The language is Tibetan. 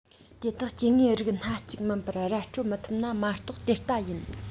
དེ དག སྐྱེ དངོས རིགས སྣ གཅིག མིན པར ར སྤྲོད མི ཐུབ ན མ གཏོགས དེ ལྟ ཡིན